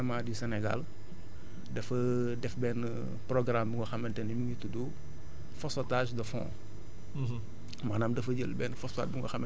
parce que depuis quelques années gouvernement du Sénégal dafa def benn programme bu nga xamante ne mu ngi tudd phosphatage de fond